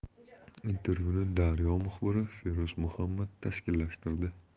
intervyuni daryo muxbiri feruz muhammad tashkillashtirdi